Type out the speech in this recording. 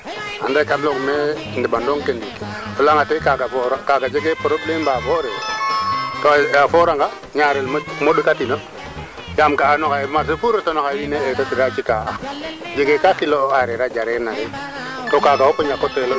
maak we kaa leyoogu ye o maye ya kooniit kaa teela lool comme i njege qoox in ndax roog jeg in to o xooxa nga a neex neex ku jegoona) ax kaa njilel ax kaa ngenel